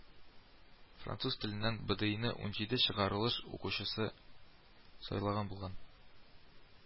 Француз теленнән БэДэИны унҗиде чыгарылыш укучысы сайлаган булган